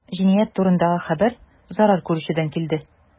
Җинаять турындагы хәбәр зарар күрүчедән килде.